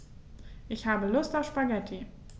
Ich habe Lust auf Spaghetti.